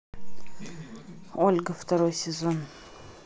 ольга второй сезон